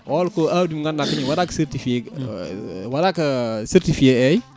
on ko awdi mo ganduɗa ndin ndi waɗa certifié waɗaka certifié eyyi